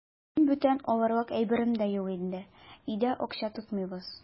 Минем бүтән алырлык әйберем дә юк инде, өйдә акча тотмыйбыз.